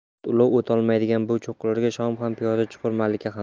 ot ulov o'tolmaydigan bu cho'qqilarga shoh ham piyoda chiqur malika ham